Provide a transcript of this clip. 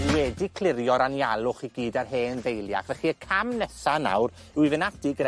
Fi wedi clirio'r anialwch i gyd a'r hen ddeiliach. Felly, y cam nesa nawr, yw i fyn' ati gyda